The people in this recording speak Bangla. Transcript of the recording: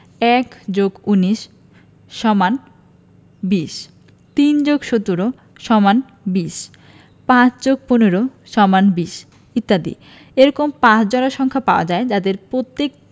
১+১৯=২০ ৩+১৭=২০ ৫+১৫=২০ ইত্যাদি এরকম ৫ জোড়া সংখ্যা পাওয়া যায় যাদের প্রত্যেক